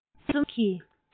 རྩོམ རིག གི